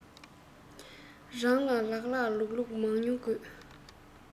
རང ལ ལགས ལགས ལུགས ལུགས མང ཉུང དགོས